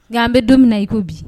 Nka an bɛ don min na i ko bi